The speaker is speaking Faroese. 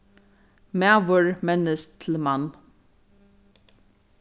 maður mennist til mann